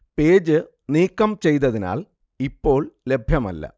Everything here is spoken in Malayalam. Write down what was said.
പേജ് നീക്കം ചെയ്തതിനാൽ ഇപ്പോൾ ലഭ്യമല്ല